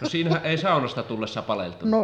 no siinähän ei saunasta tullessa paleltunut